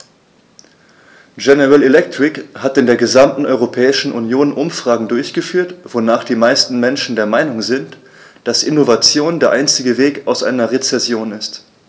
General Electric hat in der gesamten Europäischen Union Umfragen durchgeführt, wonach die meisten Menschen der Meinung sind, dass Innovation der einzige Weg aus einer Rezession ist.